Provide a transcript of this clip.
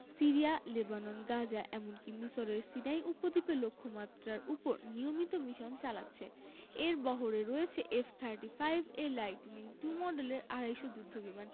Syria Lebanon Gaza এমনকি মিসরের Sinai উপদ্বীপে লক্ষ্যমাত্রার ওপর নিয়মিত মিশন চালাচ্ছে এর বহরে রয়েছে এফ থার্টি ফাইভ এর লাইটিনিং টু মডেলের আড়াই শ যুদ্ধবিমান